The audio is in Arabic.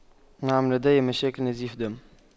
نعم لدي مشاكل نزيف دم